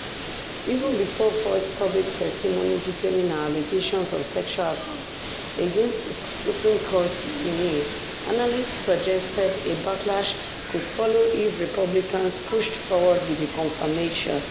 Even before Ford's public testimony detailing her allegations of sexual assault against the Supreme Court nominee, analysts suggested a backlash could follow if Republicans pushed forward with the confirmation.